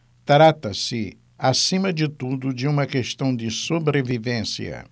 trata-se acima de tudo de uma questão de sobrevivência